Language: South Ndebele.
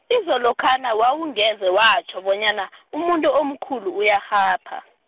izolokha na wawungeze watjho bonyana , umuntu omkhulu uyarhapha.